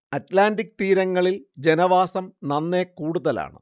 Atlantic തീരങ്ങളിൽ ജനവാസം നന്നെ കൂടുതലാണ്